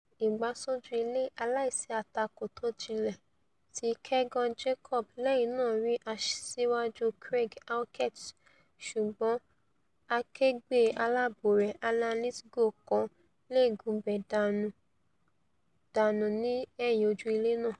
Ìgbásójú-ilé aláìsí-àtakò tójinlẹ̀ ti Keaghan Jacobs lẹ́yìn náà rí asíwáju Craig Halkett ṣùgbọ́n akẹgbẹ́ aláàbò rẹ̀ Alan Lithgow kàn leè gúnbẹ dànù ní ẹ̀yìn ojú-ilé náà.